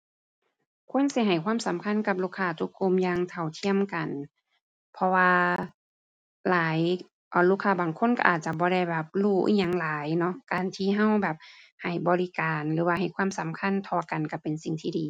ควรสิให้ความสำคัญกับลูกค้าทุกกลุ่มอย่างเท่าเทียมกัน เพราะว่าหลาย เอ่อ ลูกค้าบางคนก็อาจจะบ่ได้แบบ รู้อิหยังหลายเนาะ การที่ก็แบบให้บริการหรือว่าให้ความสำคัญเท่ากัน ก็เป็นสิ่งที่ดี